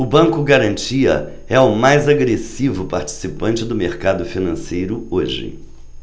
o banco garantia é o mais agressivo participante do mercado financeiro hoje